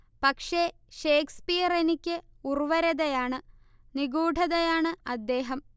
പക്ഷേ, ഷേക്സ്പിയറെനിക്ക് ഉർവരതയാണ് നിഗൂഢതയാണ് അദ്ദേഹം